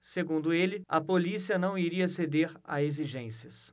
segundo ele a polícia não iria ceder a exigências